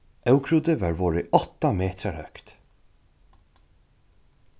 ókrútið var vorðið átta metrar høgt